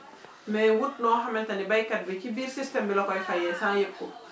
mais wut noo xamante ni béykat bi ci biir système bi la koy fayee sans yëg ko